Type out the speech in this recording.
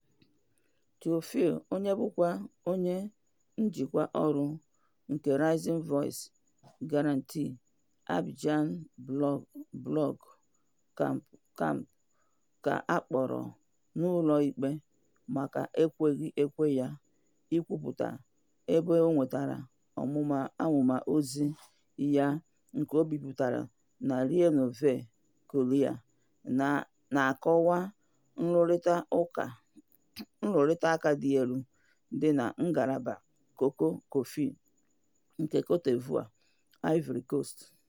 Théophile, onye bụkwa onye njikwa ọrụ nke Rising Voices grantee Abidjan Blọọgụ camps, ka a kpọrọ n'ụlọikpe maka ekweghị ekwe ya ịkwupụta ebe o nwetara ọmụma ozi ya nke o bipụtara na Le Nouveau Courrier na-akọwa nrụrụaka dị elu dị na ngalaba koko-kọfị nke Côte d'Ivoire (Ivory Coast).